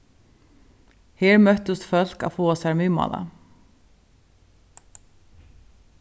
her møttust fólk at fáa sær miðmála